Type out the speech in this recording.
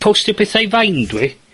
Postio petha i Vine, dwi?